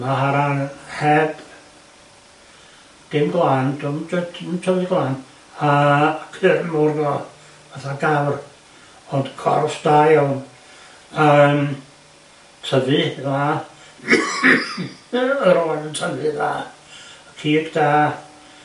Maharan heb dim gwlan dim j- dim tyfu g'lan a cyrn mowr gyno fo fatha gafr ond corff da iawn yym tyfu dda yy yr oen yn tyfu dda cig da.